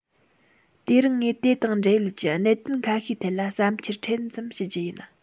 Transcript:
དེ རིང ངས དེ དང འབྲེལ ཡོད ཀྱི གནད དོན ཁ ཤས ཐད ལ བསམ འཆར ཕྲན ཙམ ཞུ རྒྱུ ཡིན